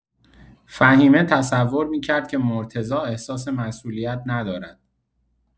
فهیمه تصور می‌کرد که مرتضی احساس مسئولیت ندارد.